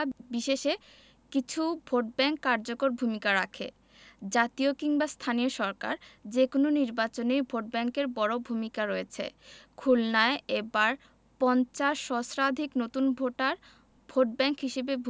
তেমনি এলাকা বিশেষে কিছু ভোটব্যাংক কার্যকর ভূমিকা রাখে জাতীয় কিংবা স্থানীয় সরকার যেকোনো নির্বাচনেই ভোটব্যাংকের বড় ভূমিকা রয়েছে খুলনায় এবার ৫০ সহস্রাধিক নতুন ভোটার